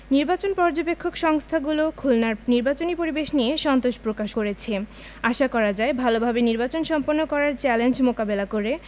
নির্বাচন পর্যবেক্ষক সংস্থাগুলো খুলনার নির্বাচনী পরিবেশ নিয়ে সন্তোষ প্রকাশ করেছে আশা করা যায় ভালোভাবে নির্বাচন সম্পন্ন করার চ্যালেঞ্জ মোকাবেলা করে